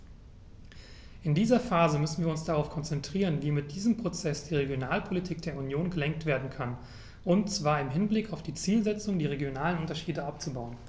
In dieser Phase müssen wir uns darauf konzentrieren, wie mit diesem Prozess die Regionalpolitik der Union gelenkt werden kann, und zwar im Hinblick auf die Zielsetzung, die regionalen Unterschiede abzubauen.